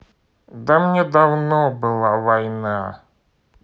да мне давно была война